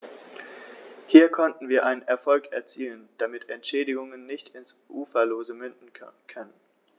Hier konnten wir einen Erfolg erzielen, damit Entschädigungen nicht ins Uferlose münden können.